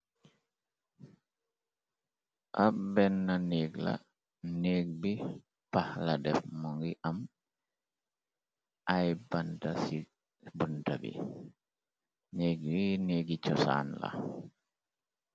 Ab benna nék la nèk bi pax la def mo ngi am ay banta si bunta bi nék yi nék gi cosaan la.